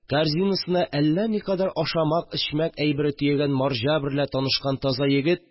Корзинасына әллә никадәр ашамак-эчмәк әйбере төягән марҗа берлә танышкан таза егет